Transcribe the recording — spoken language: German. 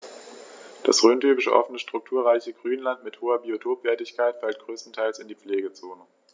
Das rhöntypische offene, strukturreiche Grünland mit hoher Biotopwertigkeit fällt größtenteils in die Pflegezone.